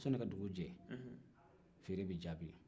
sani ka dugu jɛ feere bɛ jaabi